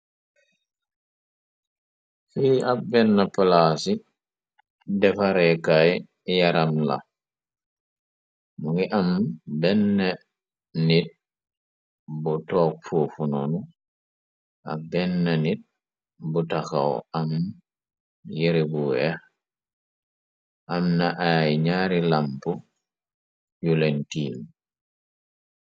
fiil ab benn palaas yi defareekaay yaram la mu ngi am benn nit bu top fuufu noonu ak benn nit bu taxaw am yeri bu weex amna ay ñaari lamp yuleen tiin